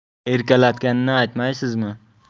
erkalatganini aytmaysizmi